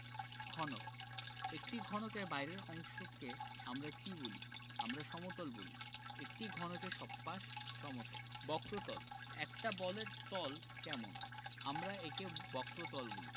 ঘনক একটি ঘনকের বাইরের অংশকে আমরা কী বলি আমরা সমতল বলি একটি ঘনকের সব পাশ সমতল বক্রতল একটা বলের তল কেমন আমরা একে বক্রতল বলি